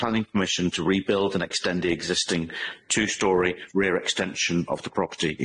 planning permission to rebuild and extend the existing two-story rear extension of the property,